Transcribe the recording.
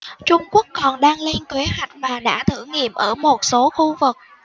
trung quốc còn đang lên kế hoạch và đã thử nghiệm ở một số khu vực